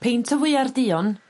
Peint o fwyar duon